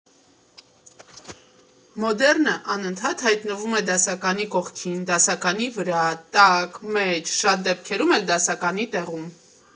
Մոդեռնը անընդհատ հայտնվում է դասականի կողքին, դասականի վրա տակ մեջ, շատ դեպքերում էլ՝ դասականի տեղում։